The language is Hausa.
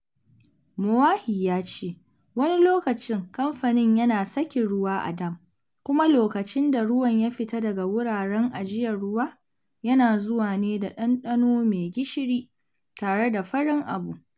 Moahi ya ce wani lokaci kamfanin yana sakin ruwa a dam, kuma lokacin da ruwan ya fita daga wuraren ajiyar ruwa, yana zuwa ne da ɗanɗano mai gishiri tare da farin abu.